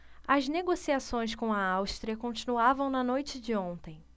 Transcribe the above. as negociações com a áustria continuavam na noite de ontem